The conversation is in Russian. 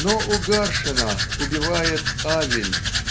Но у Гаршина убивает Авель.